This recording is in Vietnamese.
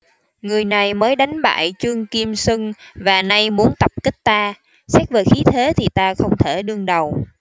người này mới đánh bại trương kim xưng và nay muốn tập kích ta xét về khí thế thì ta không thể đương đầu